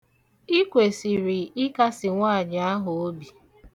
Ị kwesiri ịkasi nwaanyị ahụ obi.